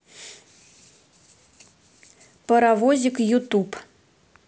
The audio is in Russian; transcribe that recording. паровозик ютуб